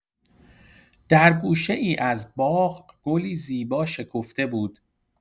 در گوشه‌ای از باغ، گلی زیبا شکفته بود.